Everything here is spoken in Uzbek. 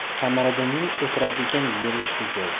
qamariddinning o'tiradigan yeri shu joy